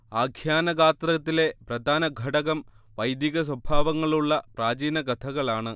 ആഖ്യാനഗാത്രത്തിലെ പ്രധാനഘടകം വൈദികസ്വഭാവങ്ങളുള്ള പ്രാചീനകഥകളാണ്